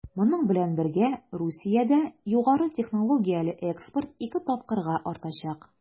Моның белән бергә Русиядә югары технологияле экспорт 2 тапкырга артачак.